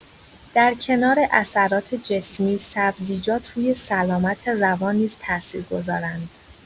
در کنار اثرات جسمی، سبزیجات روی سلامت روان نیز تاثیرگذارند.